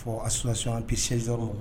Fɔ a sulasi pe sin